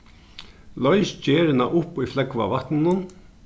loys gerina upp í flógva vatninum